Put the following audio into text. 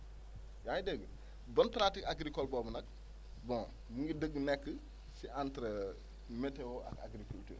yaa ngi dégg bonne pratique agricole boobu nag bon mu ngi dëgg nekk si entre météo ak agriculture